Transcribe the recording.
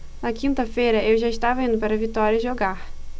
na quinta-feira eu já estava indo para vitória jogar